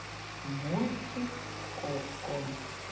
мультик коко